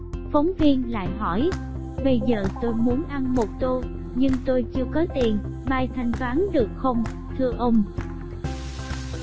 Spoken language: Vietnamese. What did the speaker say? phóng viên bây giờ tôi muốn ăn một tô nhưng tôi chưa có tiền mai thanh toán được không thưa ông